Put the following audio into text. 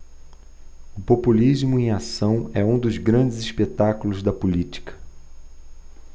o populismo em ação é um dos grandes espetáculos da política